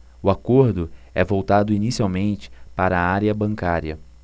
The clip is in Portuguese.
o acordo é voltado inicialmente para a área bancária